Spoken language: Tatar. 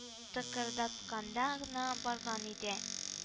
Тыкырдатканга гына барган иде